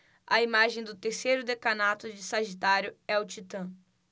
a imagem do terceiro decanato de sagitário é o titã